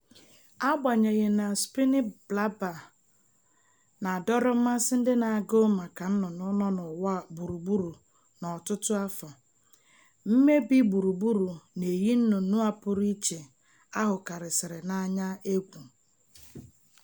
Agbanyeghị na Spiny Blabbler na-adọrọ mmasị ndị na-agụ maka nnụnụ nọ n'ụwa gburugburu n'ọtụtụ afọ, mmebi gburugburu na-eyi nnụnụ a pụrụ iche a hụkarịsịrị n'anya egwu.